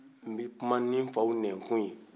n be kuma ni n faw nɛn kun ye